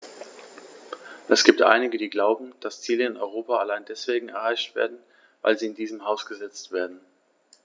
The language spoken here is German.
Es gibt einige, die glauben, dass Ziele in Europa allein deswegen erreicht werden, weil sie in diesem Haus gesetzt werden.